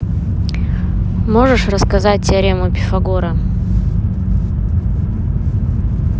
можешь рассказать теорему пифагора